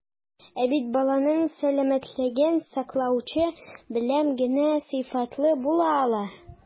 Ә бит баланың сәламәтлеген саклаучы белем генә сыйфатлы була ала.